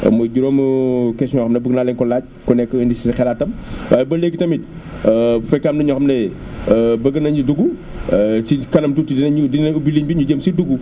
muy juróomi questions yoo xam ne bëgg naa leen koo laaj ku nekk indi si xalaatam waaye ba légi tamit bu fekkee am na ñoo xam ne bëgg nañu dugg ci kanam tuuti dinañu dinañ ubbi ligne bi ñu jéem si dugg